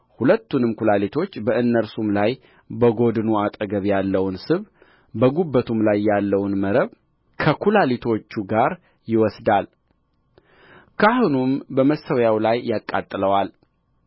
ሁለቱንም ኵላሊቶች በእነርሱም ላይና በጎድኑ አጠገብ ያለውን ስብ በጕበቱም ላይ ያለውን መረብ ከኵላሊቶች ጋር ይወስዳልካህኑም በመሠዊያው ላይ ያቃጥለዋል